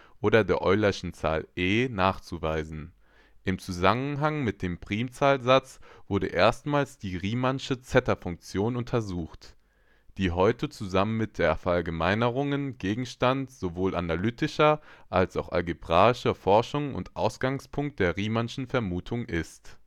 oder der Eulerschen Zahl e {\ displaystyle e} nachzuweisen. Im Zusammenhang mit dem Primzahlsatz wurde erstmals die Riemannsche Zeta-Funktion untersucht, die heute zusammen mit ihren Verallgemeinerungen Gegenstand sowohl analytischer als auch algebraischer Forschung und Ausgangspunkt der Riemannschen Vermutung ist